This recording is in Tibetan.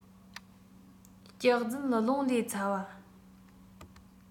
སྐྱག རྫུན རླུང ལས ཚ བ